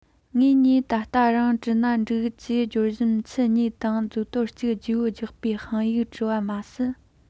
ངེད གཉིས ད ལྟ རང བྲིས ན འགྲིག ཅེས བརྗོད བཞིན ཁྱི གཉིས དང མཛོ དོར གཅིག བརྗེ པོ རྒྱག པའི དཔང ཡིག བྲིས པ མ ཟད